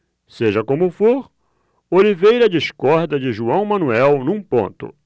seja como for oliveira discorda de joão manuel num ponto